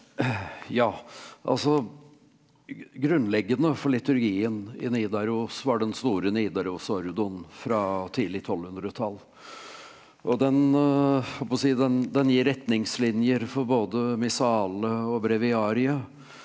ja altså grunnleggende for liturgien i Nidaros var den store Nidaros-ordoen fra tidlig tolvhundretall og den holdt på å si den den gir retningslinjer for både Missale og breviariet.